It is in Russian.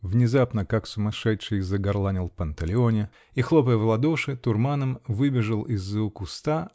-- внезапно, как сумасшедший, загорланил Панталеоне и, хлопая в ладоши, турманом выбежал из-за куста